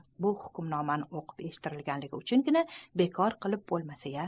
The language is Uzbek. bu hukmnomani o'qib eshittirilganligi uchungina bekor qilib bo'lmasa ya